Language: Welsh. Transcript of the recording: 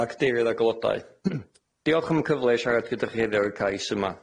A cadeirydd ag olodau. Diolch am y cyfle i siarad gyda chi heddiw ar y cais yma.